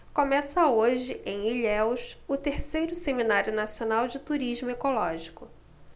começa hoje em ilhéus o terceiro seminário nacional de turismo ecológico